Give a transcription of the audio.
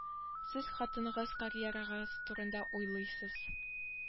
Сез хатыныгыз карьерагыз турында уйлыйсыз